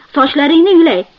sochlaringni yulay